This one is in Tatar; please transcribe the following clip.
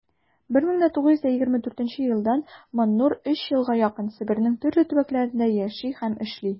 1924 елдан ш.маннур өч елга якын себернең төрле төбәкләрендә яши һәм эшли.